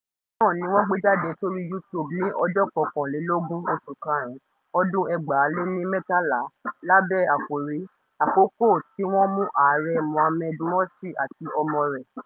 Fídíò kannáà ni wọ́n gbéjáde sórí YouTube ní 21 Oṣù Karùn-ún, Ọdún 2013 lábẹ́ àkòrí "Àkókò tí wọ́n mú Ààrẹ Mohamed Morsi àti ọmọ rẹ̀".